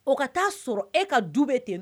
O ka t taaa sɔrɔ e ka du bɛɛ ten